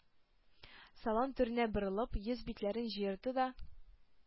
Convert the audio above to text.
Салон түренә борылып, йөз-битләрен җыерды да: